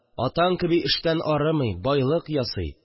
Атаң кеби эштән арымый, байлык ясый